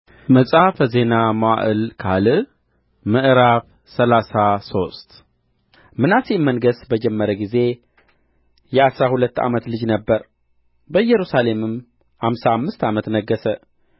መጽሐፈ ዜና መዋዕል ካልዕ ምዕራፍ ሰላሳ ሶስት ምናሴም መንገሥ በጀመረ ጊዜ የአሥራ ሁለት ዓመት ልጅ ነበረ በኢየሩሳሌምም አምሳ አምስት ዓመት ነገሠ